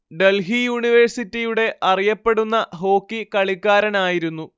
ഡൽഹി യൂണിവേഴ്സിറ്റിയുടെ അറിയപ്പെടുന്ന ഹോക്കി കളിക്കാരനായിരുന്നു